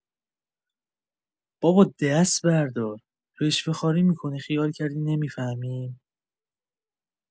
بابا دست بردار، رشوه‌خواری می‌کنی خیال کردی نمی‌فهمیم؟